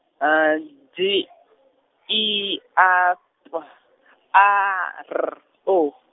D , I A P, A R O.